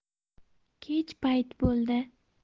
kech payt bo'ldi